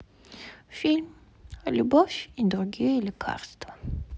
фильм любовь и другие лекарства